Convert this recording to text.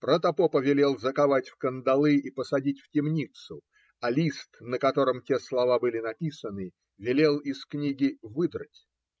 протопопа велел заковать в кандалы и посадить в темницу, а лист, на котором те слова были написаны, велел из книги выдрать.